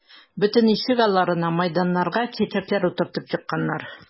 Бөтен ишек алларына, мәйданнарга чәчәкләр утыртып чыкканнар.